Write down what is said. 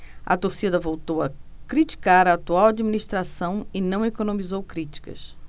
a torcida voltou a criticar a atual administração e não economizou críticas